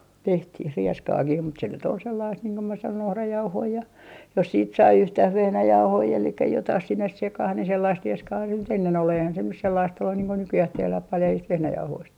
tehtiin rieskaakin mutta se nyt oli sellaista niin kuin minä sanoin ohrajauhoja ja jos sitten sai yhtään vehnäjauhoja eli jotakin sinne sekaan niin sellaista rieskaa nyt ennen oli eihän se nyt sellaista ollut niin kuin nykyään tehdään paljaista vehnäjauhoista